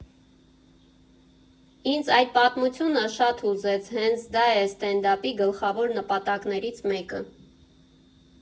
Ինձ այդ պատմությունը շատ հուզեց, հենց դա է սթենդափի գլխավոր նպատակներից մեկը։